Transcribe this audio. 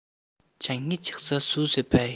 changi chiqsa suv sepay